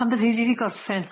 Pan fyddi di 'di gorffen.